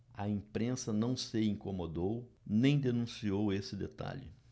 a imprensa não se incomodou nem denunciou esse detalhe